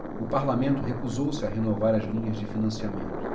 o parlamento recusou-se a renovar as linhas de financiamento